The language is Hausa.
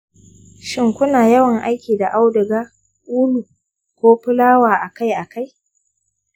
shin kuna yawan aiki da auduga, ulu, ko fulawa a kai a kai?